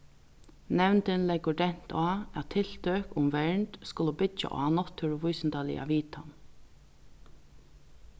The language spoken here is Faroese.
nevndin leggur dent á at tiltøk um vernd skulu byggja á náttúruvísindaliga vitan